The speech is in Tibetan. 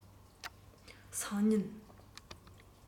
སང ཉིན